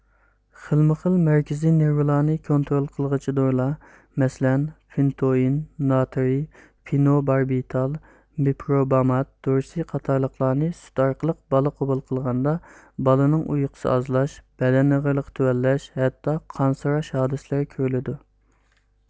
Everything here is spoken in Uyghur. خىلمۇخىل مەركىزىي نېرۋىلارنى كونترول قىلغۇچى دورىلار مەسىلەن فېنتوئىن ناترىي فېنوباربىتال مېپروبامات دورىسى قاتارلىقلارنى سۈت ئارقىلىق بالا قوبۇل قىلغاندا بالىنىڭ ئۇيقۇسى ئازلاش بەدەن ئېغىرلىقى تۆۋەنلەش ھەتتا قانسىراش ھادىسىلىرى كۆرۈلىدۇ